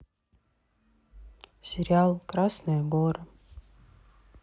сериал красные горы